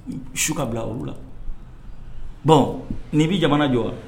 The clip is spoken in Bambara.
Su ka bila olu la bɔn n'i bɛ jamana jɔ wa